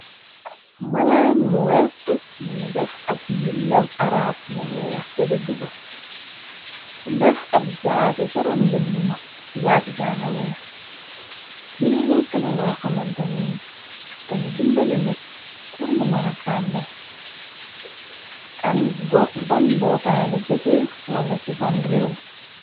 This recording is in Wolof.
ab malaan bu werd buñu def ab mbindam araab bu weex ca digg ba def ab jaasi soroon mbindm jaasi janga weex li nekk na loo xamantani dan dimbale nit turm mëna xàmne aban bootaay la joge wala ci ban réew